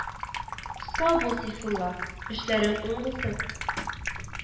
Сау бул, Сәйфулла, эшләрең уң булсын